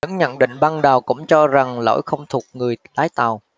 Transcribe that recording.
những nhận định ban đầu cũng cho rằng lỗi không thuộc người lái tàu